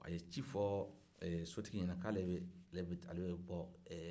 a ye ci fɔ sotigi ɲɛna k'ale bɛ bɔ ee